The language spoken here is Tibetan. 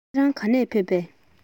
ཁྱེད རང ག ནས ཕེབས པས